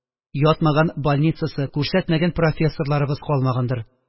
Ятмаган больницасы, күрсәтмәгән профессорыбыз калмагандыр